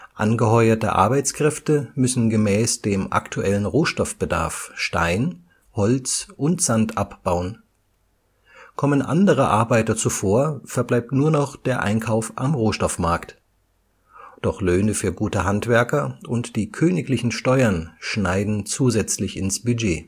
Angeheuerte Arbeitskräfte müssen gemäß dem aktuellen Rohstoffbedarf Stein, Holz und Sand abbauen. Kommen andere Arbeiter zuvor, verbleibt nur noch der Einkauf am Rohstoffmarkt. Doch Löhne für gute Handwerker und die königlichen Steuern schneiden zusätzlich ins Budget